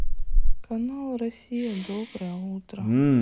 канал россия доброе утро